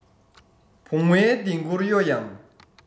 བུང བའི ལྡིང སྐོར གཡོ ཡང